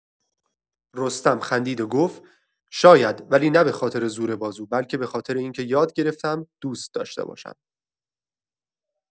رستم خندید و گفت: «شاید، ولی نه به‌خاطر زور بازو، بلکه به‌خاطر اینکه یاد گرفتم دوست داشته باشم.»